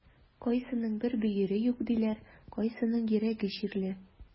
Кайсының бер бөере юк диләр, кайсының йөрәге чирле.